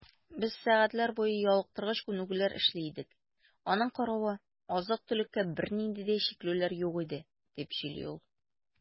Без сәгатьләр буе ялыктыргыч күнегүләр эшли идек, аның каравы, азык-төлеккә бернинди дә чикләүләр юк иде, - дип сөйли ул.